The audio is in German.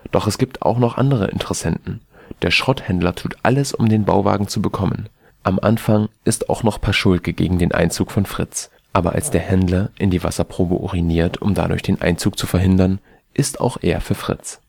Doch es gibt auch noch andere Interessenten. Der Schrotthändler tut alles, um den Bauwagen zu bekommen. Am Anfang ist auch noch Paschulke gegen den Einzug von Fritz, aber als der Händler in die Wasserprobe uriniert, um dadurch den Einzug zu verhindern, ist auch er für Fritz